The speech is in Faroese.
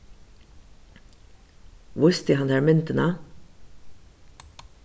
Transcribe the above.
vísti hann tær myndina